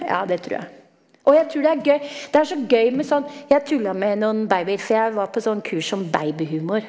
ja det trur jeg, og jeg trur det er gøy det er så gøy med sånn jeg tulla med noen babyer for jeg var på sånn kurs som babyhumor.